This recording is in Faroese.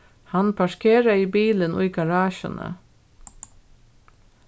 hann parkeraði bilin í garasjuni